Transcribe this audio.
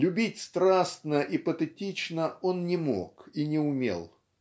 Любить страстно и патетично он не мог и не умел